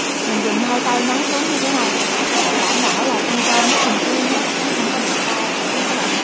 mình dùng hai tay nhấn xuống như thế này để đảm bảo con tôm lúc mình chiên á nó hong có bị co lại ha các bạn